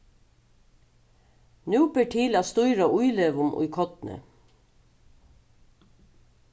nú ber til at stýra ílegum í korni